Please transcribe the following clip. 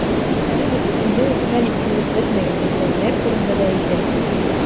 Әлегә бөтенләй үк хәл ителеп бетмәгән мәсьәләләр турында да әйтәсез.